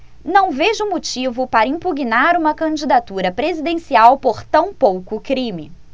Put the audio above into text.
não vejo motivo para impugnar uma candidatura presidencial por tão pouco crime